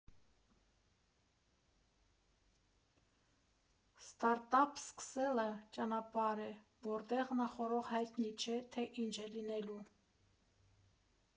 Ստարտափ սկսելը ճանապարհ է, որտեղ նախօրոք հայտնի չէ, թե ինչ է լինելու։